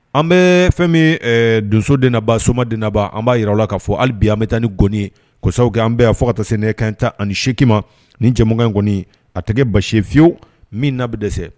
An bɛ fɛn min donso de naba sodnaba an b'a jira la k'a fɔ hali bi an bɛ taa ni goni kɔsa an bɛ' fɔ ka taa se kan tan ani seki ma ni jɛ in nkɔni a tɛgɛ basiyewu min na bɛ dɛsɛ